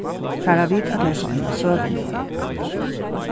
fara vit at lesa eina søgu nú